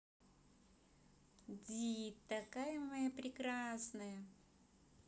dead такая моя прекрасная